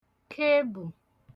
kebù